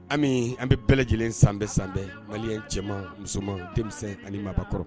Ami an bɛ bɛɛ lajɛlen san bɛɛ san bɛɛ mali cɛman musoman denmisɛnnin ani mabɔkɔrɔ